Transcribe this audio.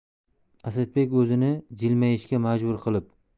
asadbek o'zini jilmayishga majbur qilib